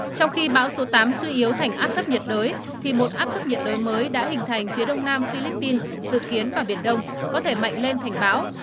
trong khi bão số tám suy yếu thành áp thấp nhiệt đới thì một áp thấp nhiệt đới mới đã hình thành phía đông nam phi líp pin dự kiến vào biển đông có thể mạnh lên thành bão